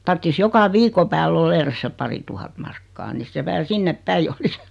tarvitsisi joka viikon päälle olla edes se pari tuhatta markkaa niin se vähän sinne päin olisi